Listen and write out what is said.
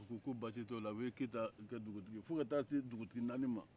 u ko ko baasi t'o la u ye keyita kɛ dugutigi ye fɔ k'a se dugutigi naani ma